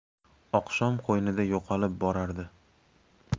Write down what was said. oqshom qo'ynida yo'qolib borardi